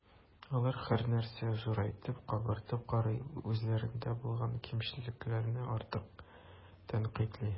Алар һәрнәрсәне зурайтып, “кабартып” карый, үзләрендә булган кимчелекләрне артык тәнкыйтьли.